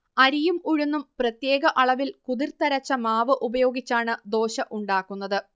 അരിയും ഉഴുന്നും പ്രത്യേക അളവിൽ കുതിർത്തരച്ച മാവ് ഉപയോഗിച്ചാണ് ദോശ ഉണ്ടാക്കുന്നത്